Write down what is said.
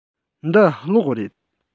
འདི གློག རེད